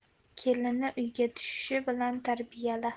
kelinni uyga tushishi bilan tarbiyala